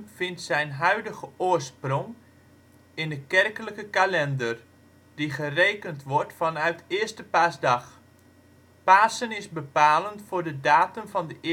zijn huidige oorsprong in de kerkelijke kalender, die gerekend wordt vanuit Eerste Paasdag. Pasen is bepalend voor de datum van de